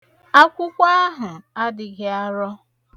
Akwụkwọ ahụ adịghị arọ.